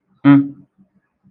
m